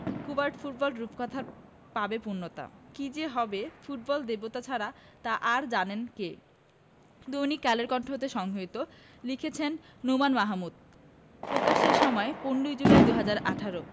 Croat football রূপকথা পাবে পূর্ণতা কী যে হবে ফুটবল দেবতা ছাড়া তা আর জানেন কে দৈনিক কালের কন্ঠ হতে সংগৃহীত লিখেছেন নোমান মোহাম্মদ প্রকাশের সময় ১৫ জুলাই ২০১৮